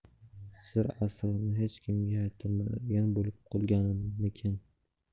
sir asrorini hech kimga aytolmaydigan bo'lib qolganmikin